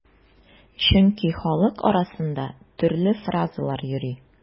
Чөнки халык арасында төрле фаразлар йөри.